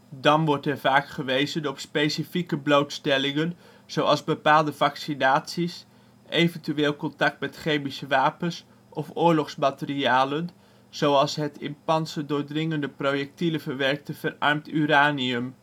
Dan wordt er vaak gewezen op specifieke blootstellingen zoals bepaalde vaccinaties, eventueel contact met chemische wapens of oorlogsmaterialen, zoals het in pantserdoordringende projectielen verwerkte verarmd uranium